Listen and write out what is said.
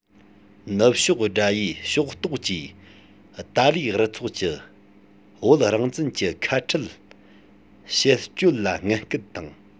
ནུབ ཕྱོགས དགྲ ཡའི ཕྱོགས གཏོགས ཀྱིས ཏཱ ལའི རུ ཚོགས ཀྱི བོད རང བཙན གྱི ཁ ཕྲལ བྱེད སྤྱོད ལ ངན སྐུལ དང